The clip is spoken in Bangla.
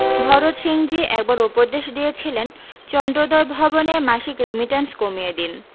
ভরত সিংজী একবার উপদেশ দিয়েছিলেন চন্দ্রোদয় ভবনে মাসিক রেমিট্যান্স কমিয়ে দিন